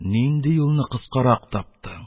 Нинди юлны кыскарак таптың?